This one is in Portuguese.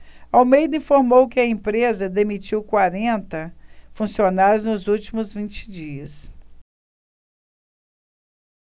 almeida informou que a empresa demitiu quarenta funcionários nos últimos vinte dias